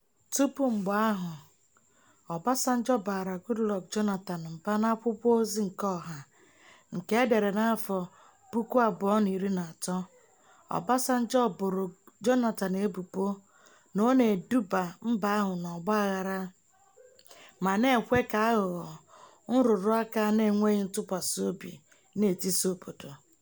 Tupu mgbe ahụ, Obasanjo baara Goodluck Jonathan mba n'akwụkwọ ozi keọha nke e dere n'afọ 2013, Obasanjo boro Jonathan ebubo na ọ na-eduba mba ahụ n'ọgbaaghara ma na-ekwe ka aghụghọ, nrụrụ aka na enweghị ntụkwasị obi na-etisa obodo.